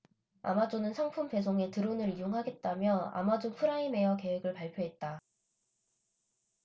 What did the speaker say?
아마존은 상품 배송에 드론을 이용하겠다며 아마존 프라임에어 계획을 발표했다